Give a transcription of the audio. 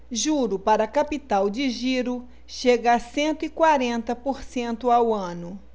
juro para capital de giro chega a cento e quarenta por cento ao ano